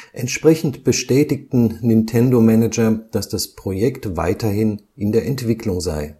Entsprechend bestätigten Nintendo-Manager, dass das Projekt weiterhin in der Entwicklung sei